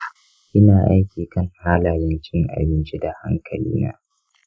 ina aiki kan halayen cin abinci da hankali na.